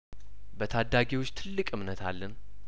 በታዳጊዎች ትልቅ እምነት አለን